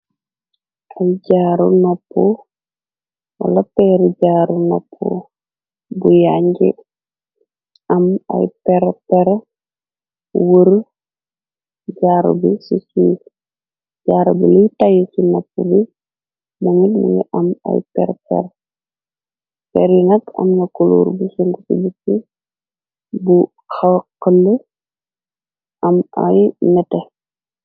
ay jaaru napp wala peeri jaaru napp bu yañj am ay perper wër jaaru bi ci su jaaru bi liy tayy ci napp bi ba ngit ma ngi am ay perfer per yi nat am nga kuluur bu sung ci bicci bu xokand am ay nete